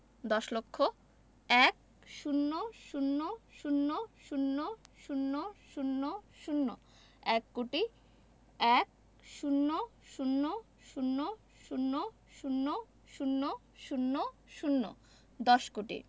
দশ লক্ষ ১০০০০০০০ এক কোটি ১০০০০০০০০ দশ কোটি